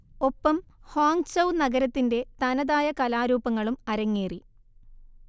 ഒപ്പം ഹ്വാങ്ചൗ നഗരത്തിന്റെ തനതായ കലാരൂപങ്ങളും അരങ്ങേറി